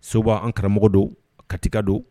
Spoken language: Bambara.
Sekuba an karamɔgɔ don Katika don